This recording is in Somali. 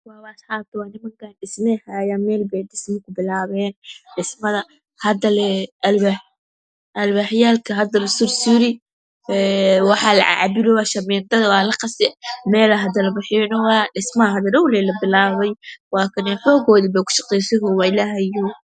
Nimankaani dhismeyhaayaan meel bay dhisooyiin dhisooy bay ku bilowbeen haddalee albaaxyada la sursuri waxa la cabirooyaa dhamiintada waa la qasi meelaha hadda la'dhaxoyaa dhismaha mar dhow lee labilaawi xooggoy ku shaqeysanoiyin ILLAAHYOW